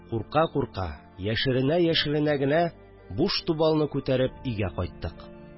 Курка-курка, яшеренә яшеренә генә, буш тубальны күтәреп, өйгә кайттык